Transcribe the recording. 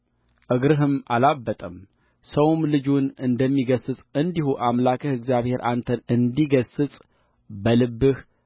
እግርህም አላበጠምሰውም ልጁን እንደሚገሥፅ እንዲሁም አምላክህ እግዚአብሔር አንተን እንዲገሥጽ በልብህ